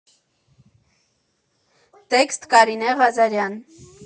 Տեսքտ՝ Կարինե Ղազարյան։